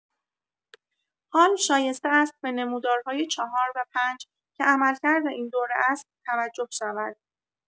حال شایسته است به نمودارهای ۴ و ۵ که عملکرد این دوره است توجه شود.